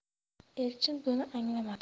elchin buni anglamadi